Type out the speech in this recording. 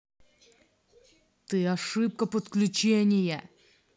ты ошибка подключения